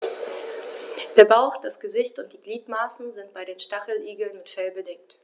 Der Bauch, das Gesicht und die Gliedmaßen sind bei den Stacheligeln mit Fell bedeckt.